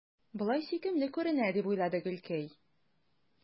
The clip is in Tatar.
Болай сөйкемле күренә, – дип уйлады Гөлкәй.